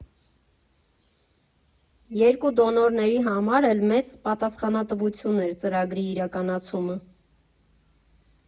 Երկու դոնորների համար էլ մեծ պատասխանատվություն էր ծրագրի իրականացումը։